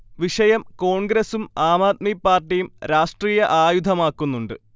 വിഷയം കോൺഗ്രസും ആംആദ്മി പാർട്ടിയും രാഷ്ട്രീയ ആയുധമാക്കുന്നുണ്ട്